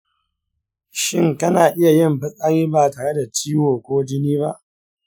shin kana iya yin fitsari ba tare da ciwo ko jini ba?